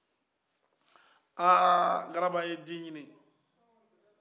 aaa graba ye ji ɲini